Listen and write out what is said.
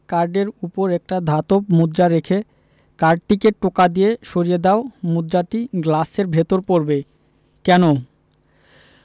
কার্ডের উপর একটা ধাতব মুদ্রা রেখে কার্ডটিকে টোকা দিয়ে সরিয়ে দাও মুদ্রাটি গ্লাসের ভেতর পড়বে কেন